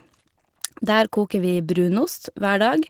Der koker vi brunost hver dag.